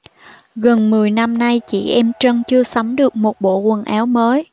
gần mười năm nay chị em trân chưa sắm được một bộ quần áo mới